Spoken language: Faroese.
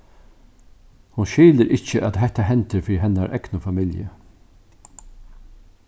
hon skilir ikki at hetta hendir fyri hennara egnu familju